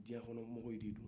diɲa kɔnɔ mogow de do